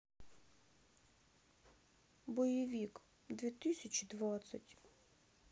боевик две тысячи двадцать